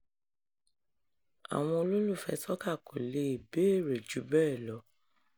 Àwọn olólùfẹ́ẹ Soca kò le è béèrè ju bẹ́hẹ̀ lọ.